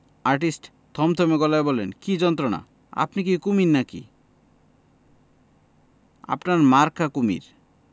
artist থমথমে গলায় বললেন কি যন্ত্রণা আপনি কি কুমীর না কি আপনার মাকা কুমীর